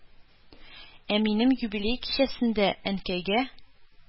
Ә минем юбилей кичәсендә Әнкәйгә,